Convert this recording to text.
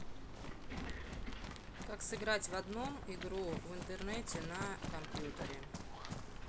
как сыграть в одном игру в интернете на компьютере